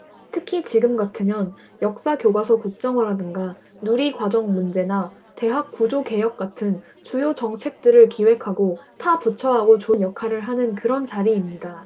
특히 지금 같으면 역사교과서 국정화라든가 누리과정 문제나 대학 구조개혁 같은 주요 정책들을 기획하고 타 부처하고 조율하는 역할을 하는 그런 자리입니다